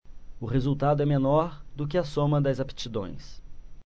o resultado é menor do que a soma das aptidões